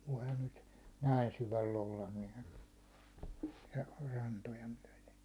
voihan nyt näin syvällä olla niin ja rantoja myöden